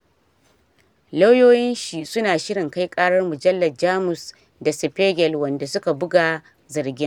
Lauyoyin shi su na shirin kai ƙarar mujallar Jamus Der Spiegel, wanda suka buga zargin.